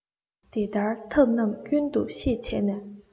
དེ ལྟར ཐབས རྣམས ཀུན ཏུ ཤེས བྱས ནས